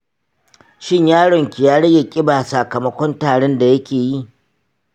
shin yaron ki ya rage kiba sakamakon tarin da yakeyi?